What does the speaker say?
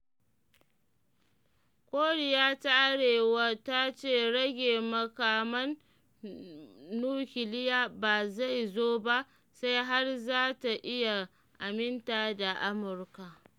Koriya ta Arewa ta ce rage makaman nukiliya ba zai zo ba sai har za ta iya aminta da Amurka